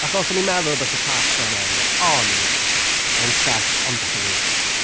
Achos o’n i’n meddwl byse Tasha yn ennill, ond I’m set on Paige.